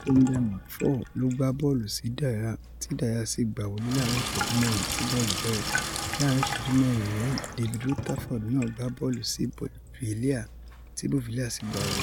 Kendall McFaull ló gbá bọ́ọ̀lù sí Dwyer, tí Dwyer sì gba wọle láàrin ìṣẹ́jú mẹ́rin tí bọ́ọ̀lù bẹ̀rẹ̀. Láàrin ìṣẹ́jú mẹ́rin mìíì, David Rutherford náà gbá bọ́ọ̀lù sí Beauvillier, tí Beauvillier sì gba wọlé.